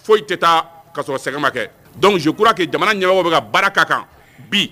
Foyi tɛ taa ka sɔrɔ sɛgɛma kɛ dɔnkukura kɛ jamana ɲɛnaw bɛ ka baaraka kan bi